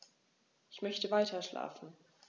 Ich möchte weiterschlafen.